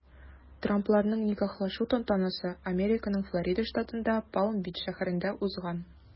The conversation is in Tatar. Трампларның никахлашу тантанасы Американың Флорида штатында Палм-Бич шәһәрендә узган.